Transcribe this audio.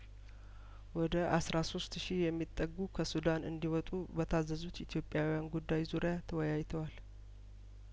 ወደ አስራ ሶስት ሺህ የሚጠጉ ከሱዳን እንዲወጡ በታዘዙት ኢትዮ ዮጵያውያን ጉዳይ ዙሪያ ተወያይተዋል